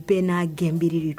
Bɛɛ n'a gɛnb de